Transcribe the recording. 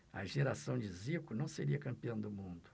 a geração de zico não seria campeã do mundo